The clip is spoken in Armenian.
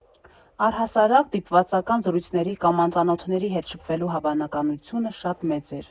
Առհասարակ դիպվածական զրույցների կամ անծանոթների հետ շփվելու հավանականությունը շատ մեծ էր։